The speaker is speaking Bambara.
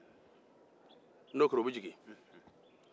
n'o kɛra u bɛ jigin